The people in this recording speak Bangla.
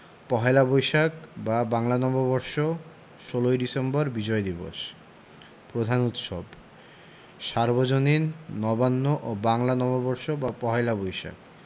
পহেলা বৈশাখ বা বাংলা নববর্ষ ১৬ই ডিসেম্বর বিজয় দিবস প্রধান উৎসবঃ সার্বজনীন নবান্ন ও বাংলা নববর্ষ বা পহেলা বৈশাখ